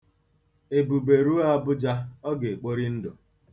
Ebube ruo Abụja, ọ ga-ekpori ndụ.